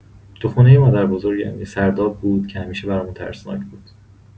تو خونۀ مادربزرگم یه سرداب بود که همیشه برامون ترسناک بود.